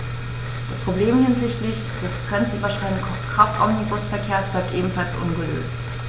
Das Problem hinsichtlich des grenzüberschreitenden Kraftomnibusverkehrs bleibt ebenfalls ungelöst.